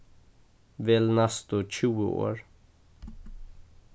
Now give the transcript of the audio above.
vel næstu tjúgu orð